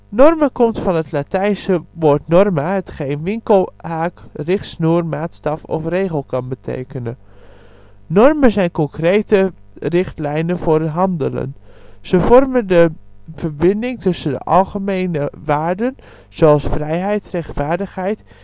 Normen komt van het Latijnse woord norma hetgeen winkelhaak, richtsnoer, maatstaf of regel kan betekenen. Normen zijn concrete richtlijnen voor het handelen. Ze vormen de verbinding tussen de algemene waarden (zoals vrijheid, rechtvaardigheid